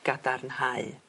gadarnhau